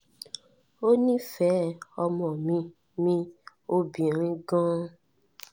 Ó nífẹ̀ẹ́ ọmọ mi mi obìnrin gan-an.